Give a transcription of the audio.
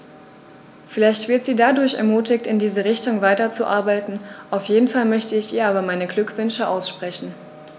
Vielleicht wird sie dadurch ermutigt, in diese Richtung weiterzuarbeiten, auf jeden Fall möchte ich ihr aber meine Glückwünsche aussprechen.